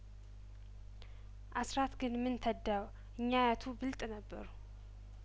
አስራት ግንምን ተዳው እኚያአያቱ ብልጥ ነበሩ